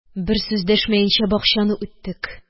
Бер сүз дәшмәенчә бакчаны үттек